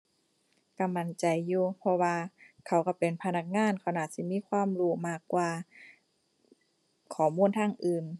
ก็มั่นใจอยู่เพราะว่าเขาก็เป็นพนักงาน เขาน่าสิมีความรู้มากกว่า ข้อมูลทางอื่น